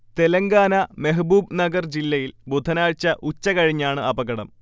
തെലങ്കാന മെഹ്ബൂബ് നഗർ ജില്ലയിൽ ബുധനാഴ്ച ഉച്ചകഴിഞ്ഞാണ് അപകടം